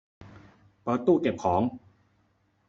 เปิดตู้เก็บของ